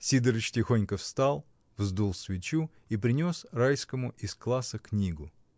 Сидорыч тихонько встал, вздул свечу и принес Райскому из класса книгу.